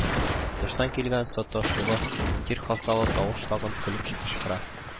Тыштан килгән саташулы, тир хасталы тавыш тагын көлеп кычкыра: